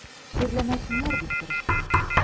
Чирләмәсеннәр дип тырыштым.